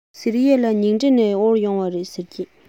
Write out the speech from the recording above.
ཟེར ཡས ལ ཉིང ཁྲི ནས དབོར ཡོང བ རེད ཟེར གྱིས